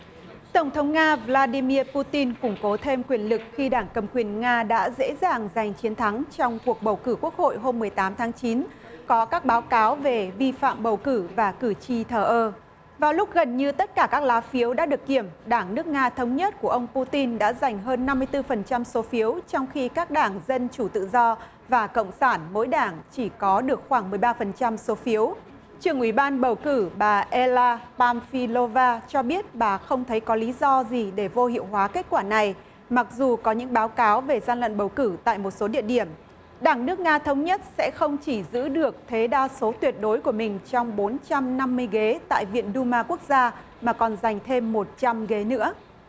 tổng thống nga vờ la đi mia pu tin củng cố thêm quyền lực khi đảng cầm quyền nga đã dễ dàng giành chiến thắng trong cuộc bầu cử quốc hội hôm mười tám tháng chín có các báo cáo về vi phạm bầu cử và cử tri thờ ơ vào lúc gần như tất cả các lá phiếu đã được kiểm đảng nước nga thống nhất của ông pu tin đã dành hơn năm mươi tư phần trăm số phiếu trong khi các đảng dân chủ tự do và cộng sản mỗi đảng chỉ có được khoảng mười ba phần trăm số phiếu trường ủy ban bầu cử bà e la bam si lô va cho biết bà không thấy có lý do gì để vô hiệu hóa kết quả này mặc dù có những báo cáo về gian lận bầu cử tại một số địa điểm đảng nước nga thống nhất sẽ không chỉ giữ được thế đa số tuyệt đối của mình trong bốn trăm năm mươi ghế tại viện đu ma quốc gia mà còn giành thêm một trăm ghế nữa